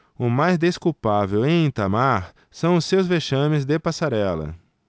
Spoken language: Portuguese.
o mais desculpável em itamar são os seus vexames de passarela